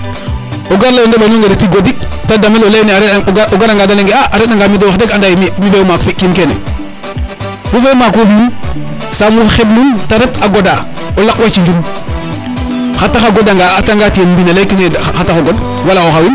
o gar ley ndeɓanonge reti godik te damel o leyne a re angao gar de leyange a re a nga mi de wax deg mi mife o maak fi kiim kene wo fe maak wo fi un saam wo xeblun te ret a goda o laqwa cinjum xa tax a goda nga a ata nga tiye leykino ye xa taxu o god wala o xawin